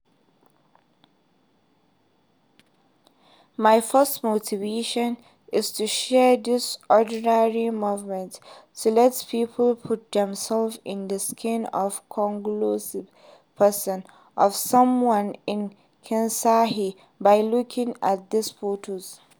My first motivation is to share these ordinary moments, to let people put themselves in the skin of a Congolese person, of someone in Kinshasa, by looking at these photos.